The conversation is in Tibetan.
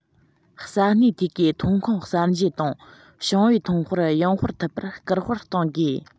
ས གནས དེ གའི ཐོན ཁུངས གསར འབྱེད དང ཞིང པའི ཐོན སྤེལ ཡོང སྤར ཐུབ པར སྐུལ སྤེལ གཏོང དགོས